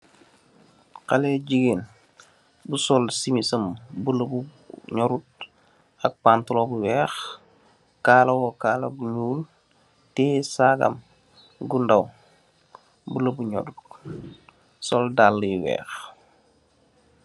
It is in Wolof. Xale le jigeen bu sol chemis sem bu bule bule bu nyorut ak pantolo bu weex, kalawo kalagu nyuul, tiye sagam gu daw bule bu nyorut sol dalle yu weex